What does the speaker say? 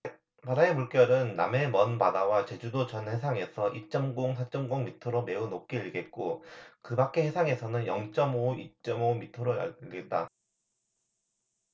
바다의 물결은 남해 먼바다와 제주도 전 해상에서 이 쩜 공 사 쩜 공 미터로 매우 높게 일겠고 그 밖의 해상에서는 영 쩜 오 이 쩜 오 미터로 일겠다